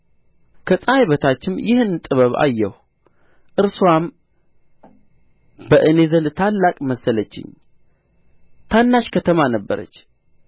ከፀሐይ በታችም ይህን ጥበብ አየሁ እርስዋም በእኔ ዘንድ ታላቅ መሰለችኝ ታናሽ ከተማ ነበረች